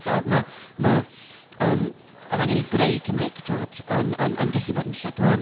Fel ma- ma' yym, yr angen i greu Cymreictod yn, yn, yn, yn gallu bod yn struggle.